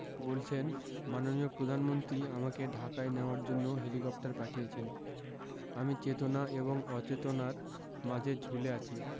বলছেন মাননীয় প্রধানমন্ত্রী আমাকে ঢাকায় নেওয়ার জন্য হেলিকপ্টার পাঠিয়েছেন আমি চেতনা এবং অচেতনার মাঝে ঝুলে আছি